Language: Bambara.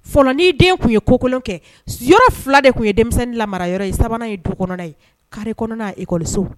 Fɔlɔ ni den tun ye kokolon kɛ, yɔrɔ 2 de tun ye denmisɛnnin lamara yɔrɔ ye 3 nan ye du kɔnɔ ye carré kɔnɔna école so